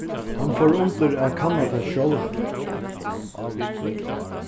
hann fór undir at kanna tað sjálvur